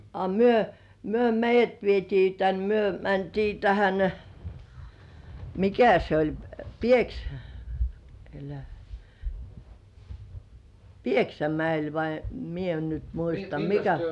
a me me meidät vietiin tänne me mentiin tähän mikä se oli - älä Pieksämäelle vai minä en nyt muista mikä